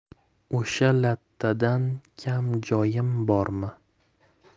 o'sha lattadan kam joyim bormi